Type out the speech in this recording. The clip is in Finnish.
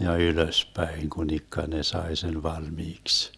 ja ylöspäin kunikka ne sai sen valmiiksi